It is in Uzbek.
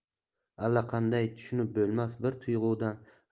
allaqanday tushunib bo'lmas bir tuyg'udan